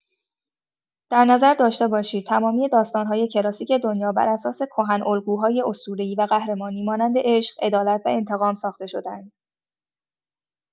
در نظر داشته باشید تمامی داستان‌های کلاسیک دنیا براساس کهن‌الگوهای اسطوره‌ای و قهرمانی مانند، عشق، عدالت و انتقام ساخته شده‌اند.